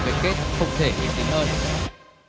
cái kết